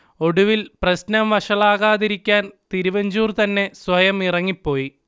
ഒടുവിൽ പ്രശ്നം വഷളാകാതിക്കാൻ തിരുവഞ്ചൂർ തന്നെ സ്വയം ഇറങ്ങി പോയി